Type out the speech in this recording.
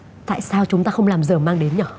tại sao chúng ta không làm dởm mang đến nhở